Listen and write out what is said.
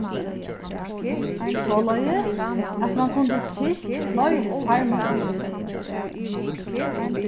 soleiðis at mann kundi siglt fleiri farmatúrar